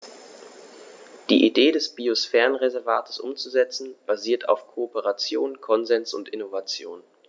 Die Idee des Biosphärenreservates umzusetzen, basiert auf Kooperation, Konsens und Innovation.